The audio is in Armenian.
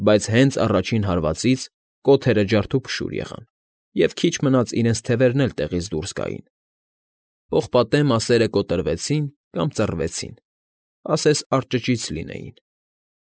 Բայց հենց առաջին հարվածից կոթերը ջարդուփշուր եղան և քիչ մնաց իրենց թևերն էլ տեղից դուրս գային. պողպատե մասերը կոտրվեցին կամ ծռվեցին, ասես արճճից լինեին։